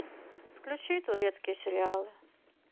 включи турецкие сериалы